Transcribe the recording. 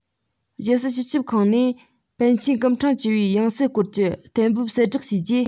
རྒྱལ སྲིད སྤྱི ཁྱབ ཁང ནས པཎ ཆེན སྐུ ཕྲེང བཅུ པའི ཡང སྲིད སྐོར གྱི གཏན འབེབས གསལ བསྒྲགས བྱས རྗེས